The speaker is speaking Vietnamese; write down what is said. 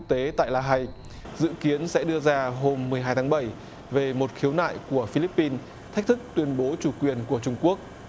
tế tại la hay dự kiến sẽ đưa ra hôm mười hai tháng bảy về một khiếu nại của phi líp pin thách thức tuyên bố chủ quyền của trung quốc